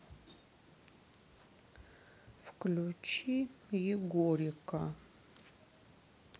включи егорика